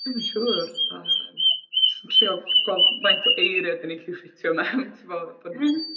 Dwi ddim yn siŵr. Yy. Jyst yn trio gweld faint o eiriau dan ni'n gallu ffitio mewn, tibod yym .